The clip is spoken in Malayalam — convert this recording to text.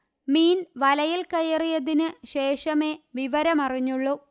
മീൻവലയിൽ കയറിയതിൻശേഷമേ വിവരമറിഞ്ഞുള്ളൂ